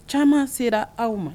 Caman sera aw ma